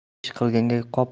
ish qilganga qop